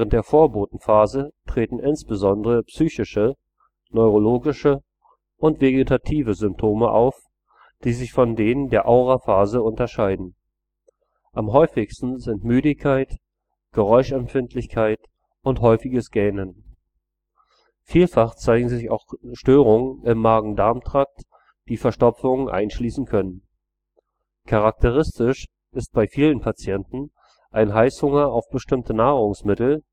der Vorbotenphase treten insbesondere psychische, neurologische und vegetative Symptome auf, die sich von denen der Auraphase unterscheiden. Am häufigsten sind Müdigkeit, Geräuschempfindlichkeit und häufiges Gähnen. Vielfach zeigen sich auch Störungen im Magen-Darm-Trakt, die Verstopfungen einschließen können. Charakteristisch ist bei vielen Patienten ein Heißhunger auf bestimmte Nahrungsmittel